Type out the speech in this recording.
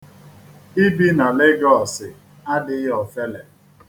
Ibi n'Legọọsị adịghị ofele.